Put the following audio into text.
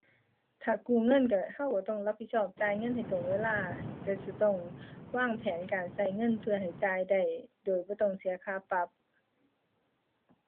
ถ้ากู้เงินก็ ก็ก็ต้องรับผิดชอบจ่ายเงินให้ตรงเวลา ก็สิต้อง วางแผนการก็เงินเพื่อให้จ่ายได้โดยบ่ต้องเสียค่าปรับ